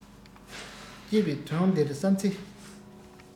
ཅེས པའི དོན འདིར བསམ ཚེ